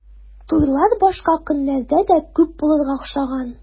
Туйлар башка көннәрдә дә күп булырга охшаган.